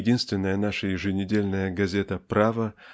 единственная ваша еженедельная газета "Право"